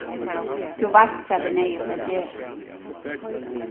tú veitst hvat er neyðugt at gera